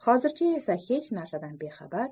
hozircha esa hech narsadan bexabar